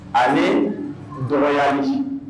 Ayi dɔ yya di